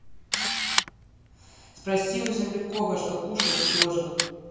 спроси у землекопа что кушает ежик